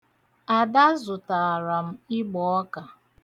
Ada zụtaara m ịgbọọka.